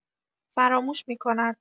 فراموش می‌کند.